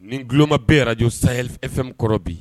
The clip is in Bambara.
Nin tuloma be Radio Sahel FM kɔrɔ bi